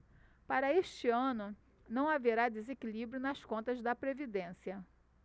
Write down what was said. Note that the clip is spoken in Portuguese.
para este ano não haverá desequilíbrio nas contas da previdência